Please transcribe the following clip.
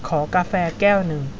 ขอกาแฟแก้วหนึ่ง